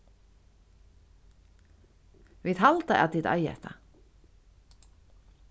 vit halda at tit eiga hetta